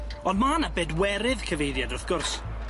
On' ma' 'na bedwerydd cyfeiriad, wrth gwrs.